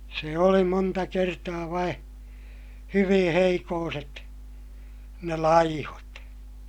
se oli monta kertaa vain hyvin heikkoiset ne laihot